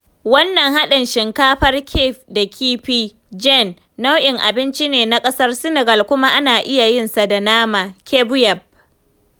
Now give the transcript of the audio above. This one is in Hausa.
Wannan haɗin shinkafar (ceeb) da kifi (Jenn) nau'in abinci ne na ƙasar Senegal kuma ana iya yin sa da nama (ceebu yapp).